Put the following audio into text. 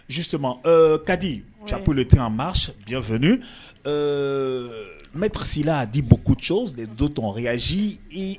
Z sema ka dip ten'f ne tagasila a di bɔ koc de don tɔgɔyazi